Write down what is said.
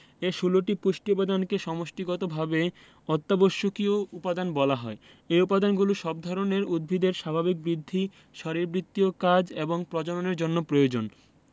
এ ১৬টি পুষ্টি উপাদানকে সমষ্টিগতভাবে অত্যাবশ্যকীয় উপাদান বলা হয় এই উপাদানগুলো সব ধরনের উদ্ভিদের স্বাভাবিক বৃদ্ধি শারীরবৃত্তীয় কাজ এবং প্রজননের জন্য প্রয়োজন